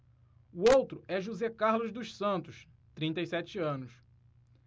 o outro é josé carlos dos santos trinta e sete anos